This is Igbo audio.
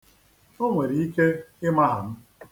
O nwere ike ịmaha m.